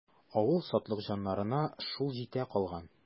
Авыл сатлыкҗаннарына шул җитә калган.